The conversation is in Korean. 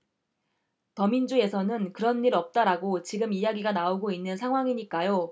더민주에서는 그런 일 없다라고 지금 이야기가 나오고 있는 상황이니까요